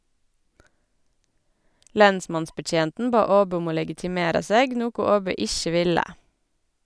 Lensmannsbetjenten bad Åbø om å legitimera seg, noko Åbø ikkje ville.